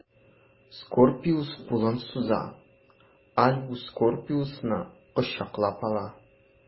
Скорпиус кулын суза, Альбус Скорпиусны кочаклап ала.